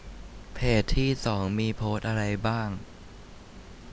เพจที่สองมีโพสต์อะไรบ้าง